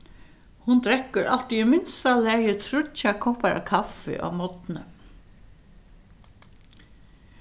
hon drekkur altíð í minsta lagi tríggjar koppar av kaffi á morgni